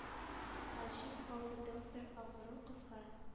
Гаҗиз калды доктор, авыру кызга